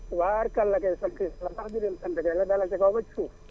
tubarkala kay sant far sax di leen sant kay la dalee ca kaw ba ca suuf